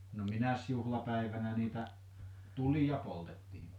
no minä juhlapäivänä niitä tulia poltettiin